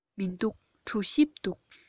མི འདུག གྲོ ཞིབ འདུག